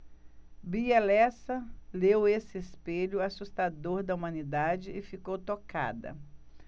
bia lessa leu esse espelho assustador da humanidade e ficou tocada